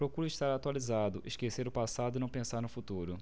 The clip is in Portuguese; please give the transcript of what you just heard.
procuro estar atualizado esquecer o passado e não pensar no futuro